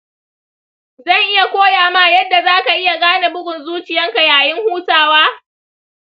zan iya koyama yadda zaka iya gane bugun zuciyanka yayin hutawa.